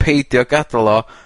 peidio gadal o